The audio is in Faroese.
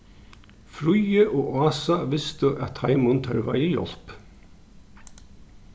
fríði og ása vistu at teimum tørvaði hjálp